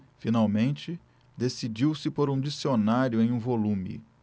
finalmente decidiu-se por um dicionário em um volume